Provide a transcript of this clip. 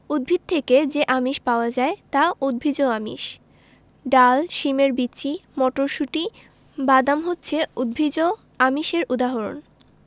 উদ্ভিদ থেকে যে আমিষ পাওয়া যায় তা উদ্ভিজ্জ আমিষ ডাল শিমের বিচি মটরশুঁটি বাদাম হচ্ছে উদ্ভিজ্জ আমিষের উদাহরণ